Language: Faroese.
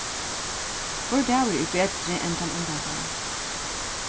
hvør dagur er betri enn tann undanfarni